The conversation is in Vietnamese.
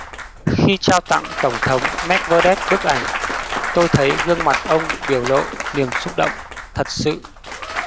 khi trao tặng tổng thống medvedev bức ảnh tôi thấy gương mặt ông biểu lộ niềm xúc động thật sự